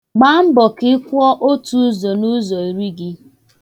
Gbaa mbọ ka ị kwuọ otuuzọ nụụzọ iri gị.